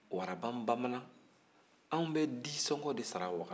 waraban bamanan anw bɛ disɔngɔn de sara wagadugu ye